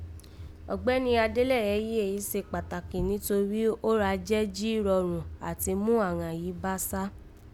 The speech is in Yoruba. Ọ̀gbẹ́ni Adelẹ́yẹ jí èyí se kpàtàkì nítorí ó ra jẹ́ jí rọrùn àti mú àghan yìí bá sá